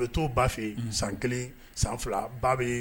U bɛ to ba fɛ yen san kelen san fila ba bɛ